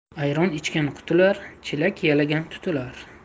ayron ichgan qutular chelak yalagan tutilar